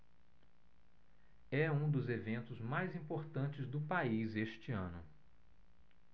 é um dos eventos mais importantes do país este ano